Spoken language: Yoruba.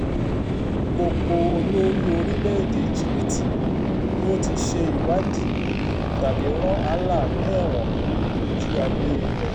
Gbogbo olórí orílẹ̀-èdè Íjípìtì ni ó ti ṣe ìwádìí tàbí rán Alaa ní ẹ̀wọ̀n ní ojú ayée rẹ̀.